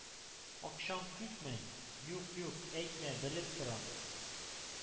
Акчаң күпме? Юк-юк, әйтмә, белеп торам.